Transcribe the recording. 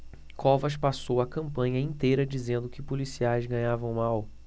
covas passou a campanha inteira dizendo que os policiais ganhavam mal